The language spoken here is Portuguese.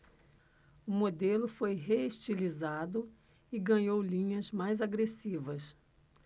o modelo foi reestilizado e ganhou linhas mais agressivas